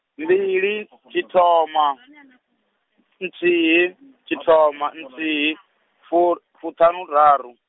mbili , tshithoma , nthihi, tshithoma nthihi, fu-, fuṱhanuraru.